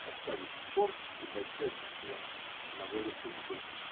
Оставив порт и босячество на волю судьбы.